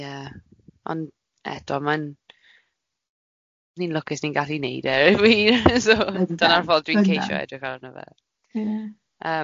Ie, ond eto mae'n, ni'n lwcus ni'n gallu wneud e, I mean. So dyna'r ffordd dwi'n ceisio edrych arno fe.